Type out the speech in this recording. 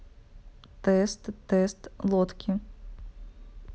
тест тест лодки